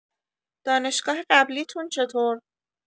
دانشگاه قبلی‌تون چطور؟